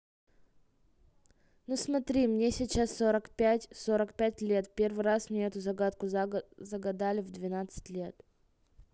ну смотри мне сейчас сорок пять сорок пять лет первый раз мне эту загадку загадали в двенадцать лет